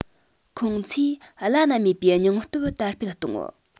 ཁོང ཚོས བླ ན མེད པའི སྙིང སྟོབས དར སྤེལ གཏོང